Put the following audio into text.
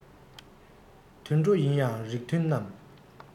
དུད འགྲོ ཡིན ཡང རིགས མཐུན རྣམས